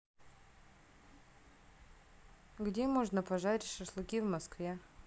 где можно пожарить шашлыки в москве